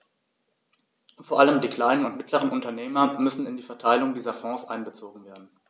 Vor allem die kleinen und mittleren Unternehmer müssen in die Verteilung dieser Fonds einbezogen werden.